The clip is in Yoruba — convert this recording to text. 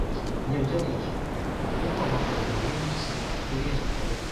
Ní ọjọ́ kejì, wọ́n mú àwọn akọ̀ròyìn méjì síi lórí ẹ̀sùn kan náà.